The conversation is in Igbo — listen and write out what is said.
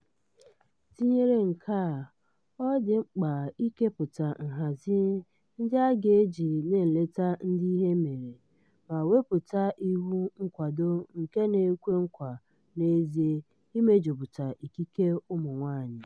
Tinyere nke a, ọ dị mkpa ikepụta nhazi ndị a ga-eji na-eleta ndị ihe mere ma wepụta iwu nkwado nke na-ekwe nkwa n'ezie imejupụta ikike ụmụ nwaanyị.